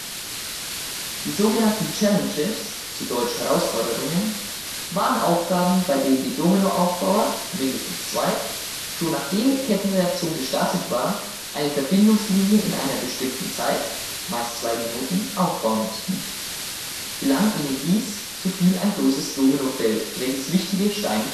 Die so genannten „ Challenges “(dt. Herausforderungen) waren Aufgaben, bei denen die Domino-Aufbauer, meistens zwei, schon nachdem die Kettenreaktion gestartet war, eine Verbindungslinie in einer bestimmten Zeit (meist 2 Minuten) aufbauen mussten. Gelang ihnen dies, so fiel ein großes Dominofeld, welches wichtige Steine